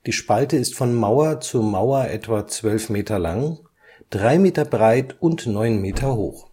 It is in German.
Spalte ist von Mauer zu Mauer etwa zwölf Meter lang, drei Meter breit und neun Meter hoch